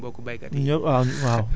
yaakaar naa kooku suñu mbokk béykat yi